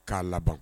K'a laban